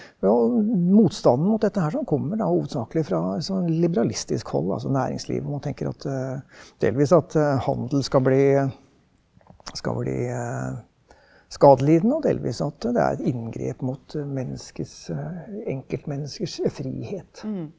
og motstanden mot dette her sånn kommer da hovedsakelig fra et så en liberalistisk hold, altså næringslivet, hvor man tenker at delvis at handel skal bli skal bli skal bli skadelidende og delvis at det er et inngrep mot menneskets enkeltmenneskers frihet.